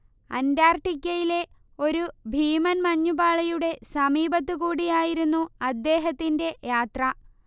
അന്റാർട്ടിക്കയിലെ ഒരു ഭീമൻ മഞ്ഞുപാളിയുടെ സമീപത്തുകൂടിയായിരുന്നു അദ്ദേഹത്തിന്റെ യാത്ര